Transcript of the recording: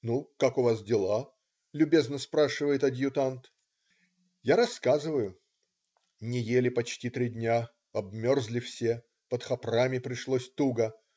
Ну, как у вас дела?" - любезно спрашивает адъютант. Я рассказываю: ". не ели почти три дня. обмерзли все. под Хопрами пришлось туго.